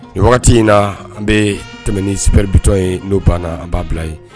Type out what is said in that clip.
Nin wagati in na, an bɛ tɛmɛn nisi super bitɔnt ye. N'o banna ,an b'a bila yen.